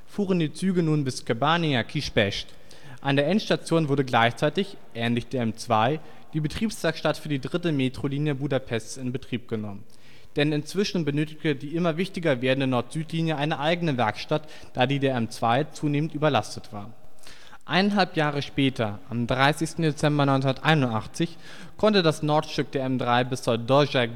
fuhren die Züge nun bis Kőbánya-Kispest. An der Endstation wurde gleichzeitig, ähnlich der M2, die Betriebswerkstatt für die dritte Metrolinie Budapests in Betrieb genommen. Denn inzwischen benötigte die immer wichtiger werdende Nord-Süd-Linie eine eigene Werkstatt, da die der M2 zunehmend überlastet war. Eineinhalb Jahre später, am 30. Dezember 1981, konnte das Nordstück der M3 bis zur Dózsa György